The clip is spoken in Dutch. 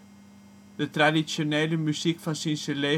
traditionele muziek van Sincelejo